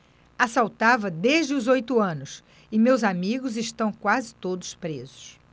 assaltava desde os oito anos e meus amigos estão quase todos presos